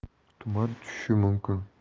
tuman tushishi mumkin